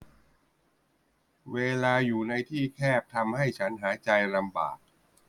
เวลาอยู่ในที่แคบทำให้ฉันหายใจลำบาก